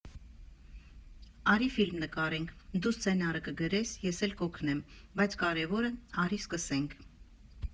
«Արի՛ ֆիլմ նկարենք, դու սցենարը կգրես, ես էլ կօգնեմ, բայց կարևորը՝ արի՛ սկսենք»։